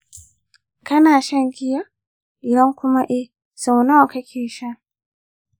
kana shan giya, idan kuma eh, sau nawa kake sha?